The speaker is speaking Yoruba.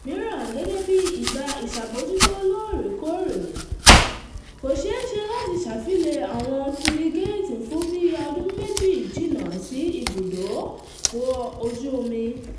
Àwọn ohun pàtàkì mìràn gẹ́gẹ́bí ìgbà ìṣàbójútó lóòrèkóòrè - p yẹ kó ṣeéṣe láti ṣàfillẹ̀ awọn fírígéètì fún bí ọdún méjì jìnnà sí ìbúdó \kọ ojú omi.